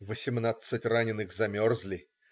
Восемнадцать раненых замерзли.